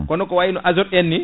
kono ko wayno azote en ni